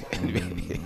A bɛ kɛ